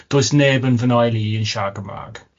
Does neb yn fy nheulu i yn siarad Cymraeg.